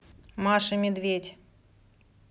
маша медведь